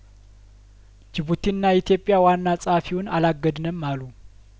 ጅቡቲና ኢትዮጵያዋና ጸሀፊውን አላ ገድንም አሉ